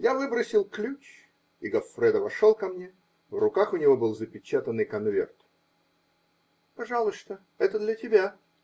Я выбросил ключ, и Гоффредо вошел ко мне, в руках у него был запечатанный конверт. -- Пожалуйста. Это для тебя.